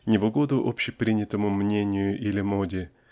--не в угоду общепринятому мнению или моде